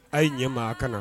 A' ye ɲɛ maa kana na